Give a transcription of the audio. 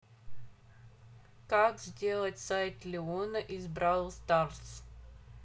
как сделать сайт леона из бравл старс